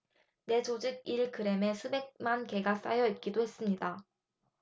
뇌 조직 일 그램에 수백만 개가 쌓여 있기도 했습니다